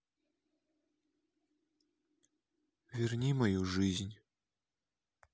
верни мою жизнь